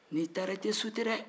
n'i taara i tɛ sute dɛ